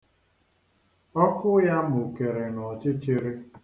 Ọkụ ya mụkere n'ọchịchịrị.